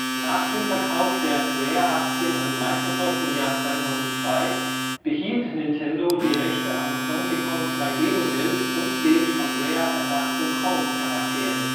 Nach dem Verkauf der Rare-Aktien an Microsoft 2002 behielt Nintendo die Rechte am Donkey Kong 3D-Modell und den von Rare erdachten Kong-Charakteren